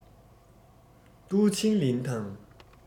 ཏུའུ ཆིང ལིན དང